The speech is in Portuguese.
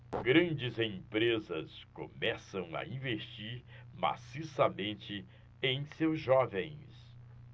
grandes empresas começam a investir maciçamente em seus jovens